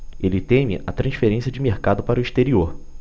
ele teme a transferência de mercado para o exterior